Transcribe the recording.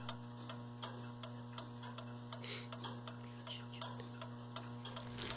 включи четыре